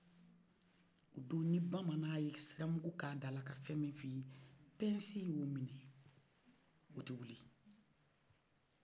a do ni bamanan kun ye sara k'i da ka min f''i ye pɛnsi numinɛ o te wili